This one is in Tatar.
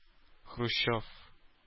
Хрущев